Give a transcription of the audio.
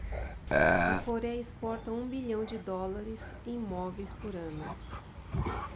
a coréia exporta um bilhão de dólares em móveis por ano